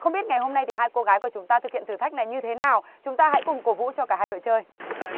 không biết ngày hôm nay thì hai cô gái của chúng ta thực hiện thử thách này như thế nào chúng ta hãy cùng cổ vũ cho cả hai đội chơi